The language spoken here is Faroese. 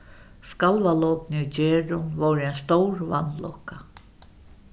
skalvalopini í gerðum vóru ein stór vanlukka